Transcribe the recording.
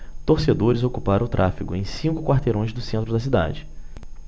torcedores ocuparam o tráfego em cinco quarteirões do centro da cidade